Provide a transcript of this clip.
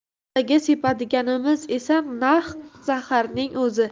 paxtaga sepadiganimiz esa naq zaharning o'zi